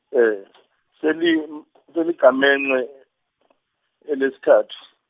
seli- seligamenxe elesithathu.